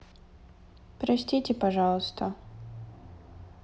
простите пожалуйста